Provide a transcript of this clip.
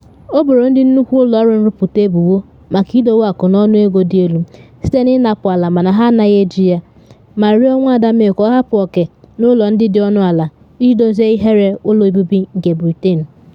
O boro ndị nnukwu ụlọ ọrụ nrụpụta ebubo maka idowe akụ n’ọnụego dị elu site na ịnapụ ala mana ha anaghị eji ya, ma rịọ Nwada May ka ọ hapụ oke n’ụlọ ndị dị ọnụ ala iji dozie “ihere ụlọ obibi” nke Britain.